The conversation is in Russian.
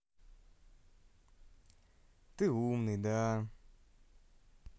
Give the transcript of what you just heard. ты умный да